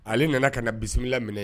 Ale nana ka na bisimila minɛ